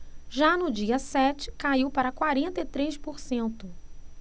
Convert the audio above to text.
já no dia sete caiu para quarenta e três por cento